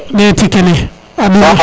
ɗeti kene a ɗoma